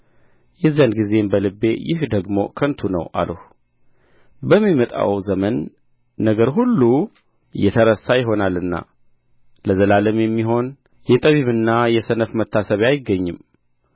የዚያን ጊዜም በልቤ ይህ ደግሞ ከንቱ ነው አልሁ በሚመጣው ዘመን ነገር ሁሉ የተረሳ ይሆናልና ለዘላለም የሚሆን የጠቢብና የሰነፍ መታሰቢያ አይገኝም